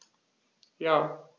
Ja.